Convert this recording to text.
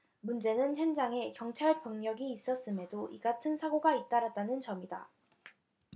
문제는 현장에 경찰병력이 있었음에도 이 같은 사고가 잇따랐다는 점이다